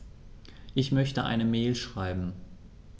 Ich möchte eine Mail schreiben.